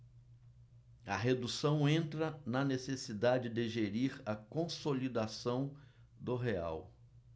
a redução entra na necessidade de gerir a consolidação do real